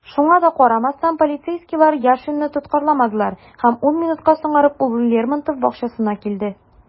Шуңа да карамастан, полицейскийлар Яшинны тоткарламадылар - һәм ун минутка соңарып, ул Лермонтов бакчасына килде.